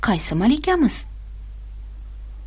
qaysi malikamiz